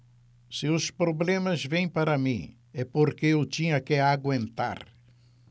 se os problemas vêm para mim é porque eu tinha que aguentar